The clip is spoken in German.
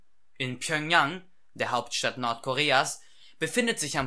in Pjöngjang, der Hauptstadt Nordkoreas, befindet sich